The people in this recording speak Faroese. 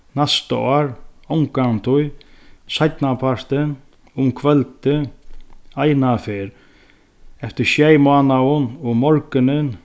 næsta ár ongantíð seinnapartin um kvøldið einaferð eftir sjey mánaðum um morgunin